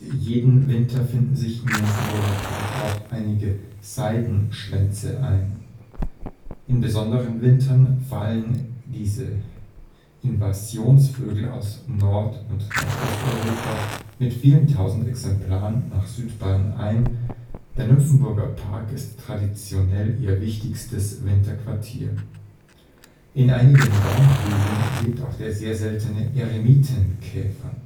jeden Winter finden sich im Nymphenburger Park auch einige Seidenschwänze ein. In besonderen Wintern fallen diese Invasionsvögel aus Nord - und Nordosteuropa mit vielen tausend Exemplaren nach Südbayern ein, der Nymphenburger Park ist traditionell ihr wichtigstes Winterquartier. In einigen Baumhöhlen lebt auch der sehr seltene Eremitenkäfer